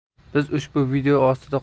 biz ushbu video ostiga